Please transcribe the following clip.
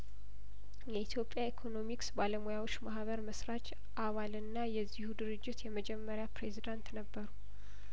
የኢትዮጵያ ኢኮኖሚክስ ባለሙያዎች ማህበር መስራች አባልና የዚሁ ድርጅት የመጀመሪያው ፕሬዚዳንት ነበሩ